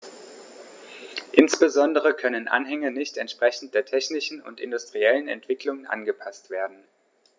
Insbesondere können Anhänge nicht entsprechend der technischen und industriellen Entwicklung angepaßt werden.